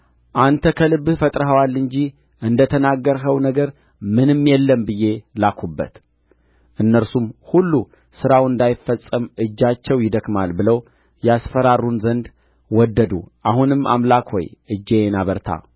አንተ ከልብህ ፈጥረኸዋል እንጂ እንደ ተናገርኸው ነገር ምንም የለም ብዬ ላክሁበት እነርሱም ሁሉ ሥራው እንዳይፈጸም እጃቸው ይደክማል ብለው ያስፈራሩን ዘንድ ወደዱ አሁንም አምላክ ሆይ እጄን አበርታ